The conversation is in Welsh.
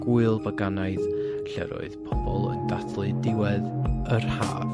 Gwyl Byganaidd lle roedd pobol yn dathlu diwedd yr ha.